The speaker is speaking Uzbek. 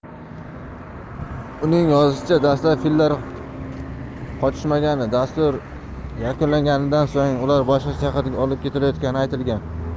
uning yozishicha dastlab fillar qochmagani dastur yakunlanganidan so'ng ular boshqa shaharga olib ketilayotgani aytilgan